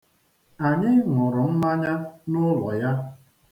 Anyị ṅụrụ mmanya n'ụlọ ya.